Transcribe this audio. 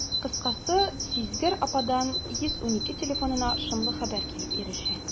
Кыскасы, сизгер ападан «112» телефонына шомлы хәбәр килеп ирешә.